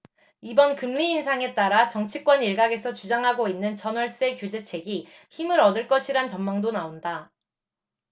이번 금리인상에 따라 정치권 일각에서 주장하고 있는 전월세 규제책이 힘을 얻을 것이란 전망도 나온다